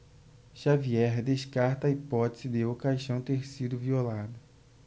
xavier descarta a hipótese de o caixão ter sido violado